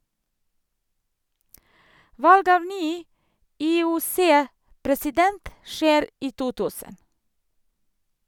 Valg av ny IOC-president skjer i 2000.